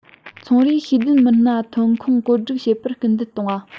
ཚོང རས ཤེས ལྡན མི སྣའི ཐོན ཁུངས བཀོད སྒྲིག བྱེད པར སྐུལ འདེད གཏོང བ